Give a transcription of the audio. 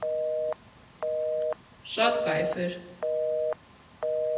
Շատ կայֆ էր.